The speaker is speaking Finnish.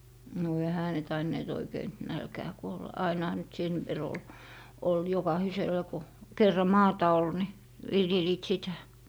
no eihän ne tainneet oikein nälkään kuolla ainahan nyt sen verran oli oli jokaisella kun kerran maata oli niin viljelivät sitä